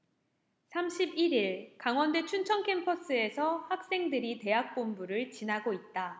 삼십 일 일 강원대 춘천캠퍼스에서 학생들이 대학본부를 지나고 있다